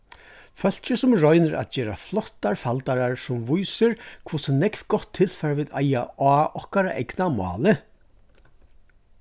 fólkið sum roynir at gera flottar faldarar sum vísir hvussu nógv gott tilfar vit eiga á okkara egna máli